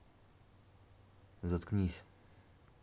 заткнись